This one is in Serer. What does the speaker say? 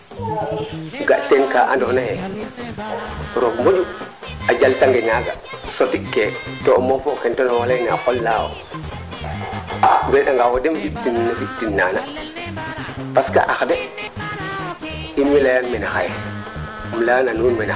o kiino xenu o ketanof jof lal ganta o jof bugo kendof koy nena xooxof kaaga refu ax paax dena ngeeka ax paax kaaga o kiino cofu yoo o kiino paaxo ax fu te jeg na rek poy nu te fina xan rooga dimle in ta parce roog o jof reka bugu